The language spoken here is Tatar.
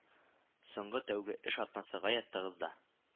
Соңгы тәүге эш атнасы гаять тыгыз да